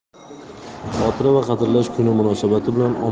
xotira va qadrlash kuni munosabati bilan